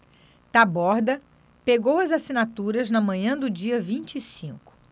taborda pegou as assinaturas na manhã do dia vinte e cinco